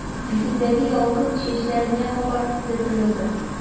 Битендәге ялкын чәчләренә кабар төсле тоелды.